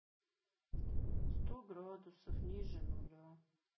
сто градусов ниже нуля